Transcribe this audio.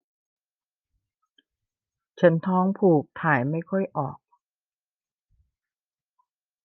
ฉันท้องผูกถ่ายไม่ค่อยออก